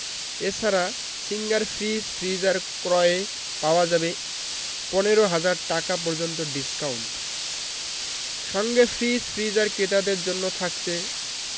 এ ছাড়া Singer fridge freezer ক্রয়ে পাওয়া যাবে ১৫ ০০০ টাকা পর্যন্ত ডিসকাউন্ট সঙ্গে ফ্রিজ ফ্রিজার ক্রেতাদের জন্য থাকছে